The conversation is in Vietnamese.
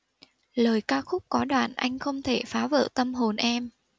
lời ca khúc có đoạn anh không thể phá vỡ tâm hồn em